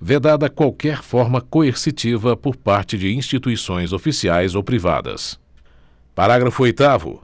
vedada qualquer forma coercitiva por parte de instituições oficiais ou privadas parágrafo oitavo